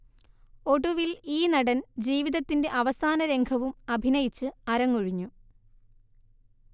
ഒടുവിൽ ഈ നടൻ ജീവിതത്തിന്റെ അവസാനരംഗവും അഭിനയിച്ച് അരങ്ങൊഴിഞ്ഞു